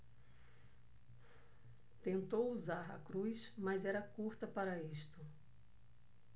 tentou usar a cruz mas era curta para isto